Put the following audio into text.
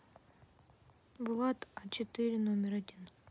влад а четыре номер один